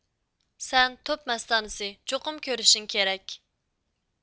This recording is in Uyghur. سەن توپ مەستانىسى چوقۇم كۆرۈشۈڭ كېرەك